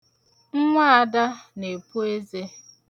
Nwa Ada na-epu eze.